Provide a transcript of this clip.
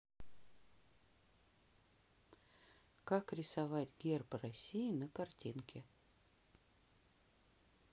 как рисовать герб россии на картинке